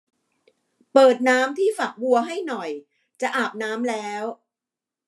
เปิดน้ำที่ฝักบัวให้หน่อยจะอาบน้ำแล้ว